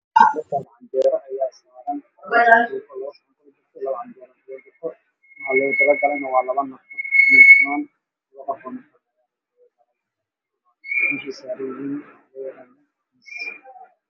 Waa saxan cadaan waxaa ku jira Bur hilib